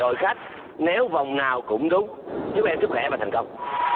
đội khách nếu vòng nào cũng đúng chúc em sức khỏe và thành công